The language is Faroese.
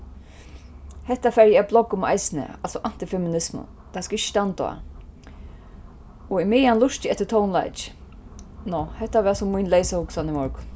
hetta fari eg at blogga um eisini altso antifeminismu tað skal ikki standa á og ímeðan lurti eg eftir tónleiki ná hetta var so mín leysahugsan í morgun